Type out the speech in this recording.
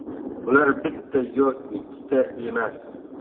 ular bitta yo ikkita emas